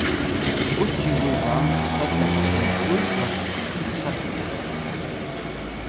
víkingur vann seinnapartin trý eitt í sarpugerði